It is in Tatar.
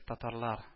Татарлар